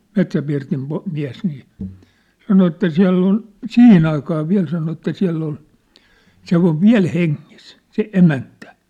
Metsäpirtin - mies niin sanoi että siellä on siihen aikaan vielä sanoi että siellä oli se on vielä hengissä se emäntä